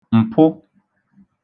m̀pụ